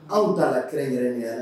Anw ta la kɛ yɛrɛ nin ye